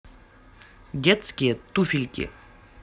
детские туфельки